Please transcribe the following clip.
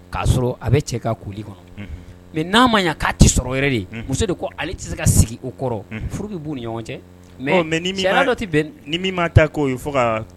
K'a sɔrɔ a bɛ cɛ ka koli kɔnɔ mɛ n'a ma k'a tɛ sɔrɔ de muso de ko ale tɛ se ka sigi o kɔrɔ furu' b'u ni ɲɔgɔn cɛ mɛ dɔ tɛ bɛn ni min ma ta k'o ye fo